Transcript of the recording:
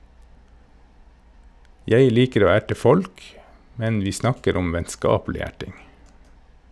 Jeg liker å erte folk, men vi snakker om vennskapelig erting.